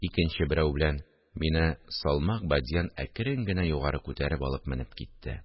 Икенче берәү белән мине салмак бадьян әкрен генә югары күтәреп алып менеп китте